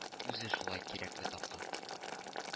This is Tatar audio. Үзе шулай кирәкле тапкан